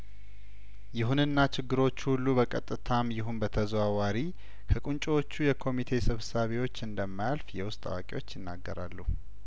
ይሁንና ችግሮቹ ሁሉ በቀጥታም ይሁን በተዘዋዋሪ ከቁንጮዎቹ የኮሚቴ ሰብሳቢዎች እንደማ ያልፍ የውስጥ አዋቂዎች ይናገራሉ